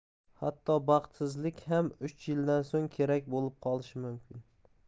hatto baxtsizlik ham uch yildan so'ng kerak bo'lib qolishi mumkin